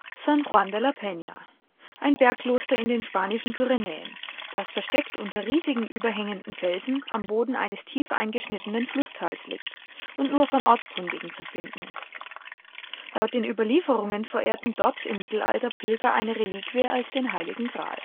San Juan de la Peña, ein Bergkloster in den spanischen Pyrenäen, das versteckt unter riesigen überhängenden Felsen am Boden eines tief eingeschnittenen Flusstales liegt und nur von Ortskundigen zu finden ist. Laut den Überlieferungen verehrten dort im Mittelalter Pilger eine Reliquie als den Heiligen Gral